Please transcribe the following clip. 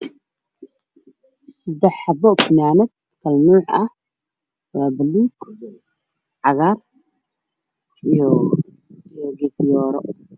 Saddex fanaan midood oo kala nooca oo buluu cagaar cadan